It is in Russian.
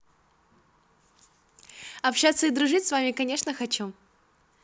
общаться и дружить с вами конечно хочу